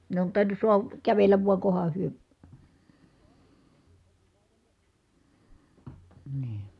ne on tainnut saada kävellä vain kunhan he niin